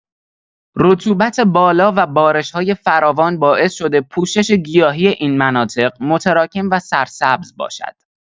رطوبت بالا و بارش‌های فراوان باعث شده پوشش گیاهی این مناطق متراکم و سرسبز باشد.